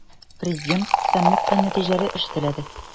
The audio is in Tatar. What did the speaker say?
Президент саммитка нәтиҗәле эш теләде.